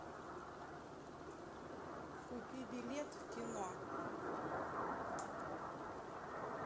купи билет в кино